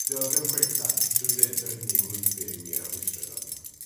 'Di o dim cweit na dy- sw'm yn deud yr unig lwybr i wir hapusrwydd ond